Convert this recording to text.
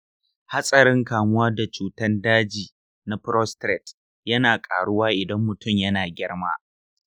hatsarin kamuwa da cutar daji na prostate yana karuwa idan mutum yana girma.